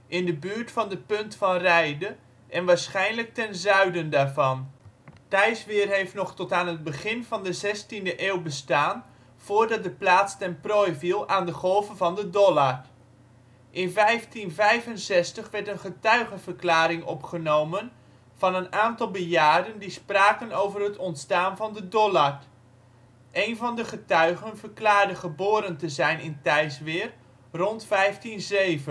in de buurt van de Punt van Reide en waarschijnlijk ten zuiden daarvan. Tijsweer heeft nog tot aan het begin van de zestiende eeuw bestaan, voordat de plaats ten prooi viel aan de golven van de Dollard. In 1565 werd een getuigenverklaring opgenomen van een aantal bejaarden die spraken over het ontstaan van de Dollard. Eén van de getuigen verklaarde geboren te zijn Tijsweer, rond 1507